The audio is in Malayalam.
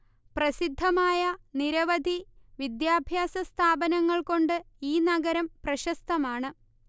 പ്രസിദ്ധമായ നിരവധി വിദ്യാഭ്യാസ സ്ഥാപനങ്ങൾ കൊണ്ട് ഈ നഗരം പ്രശസ്തമാണ്